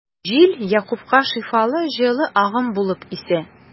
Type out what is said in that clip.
Җил Якупка шифалы җылы агым булып исә.